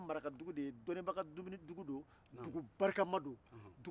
ko ee ko fɔsi tɛ cɛkɔrɔba in bolo ko a sabalilen don